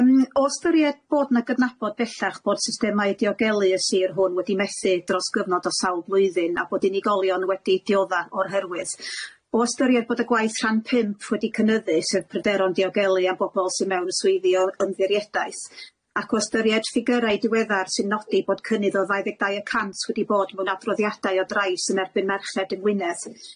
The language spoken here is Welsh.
Yym o ystyried bod na gydnabod bellach bod systemau diogelu y sir hwn wedi methu dros gyfnod o sawl blwyddyn a bod unigolion wedi diodda o'r herwydd o ystyried bod y gwaith rhan pump wedi cynyddu sef pryderon diogelu a bobol sy mewn y swyddi o ymddiriedais. ac o ystyried ffigyrau diweddar sy'n nodi bod cynnydd o ddau ddeg dau y cant wedi bod mewn adroddiadau o drais yn erbyn merched yng Ngwynedd.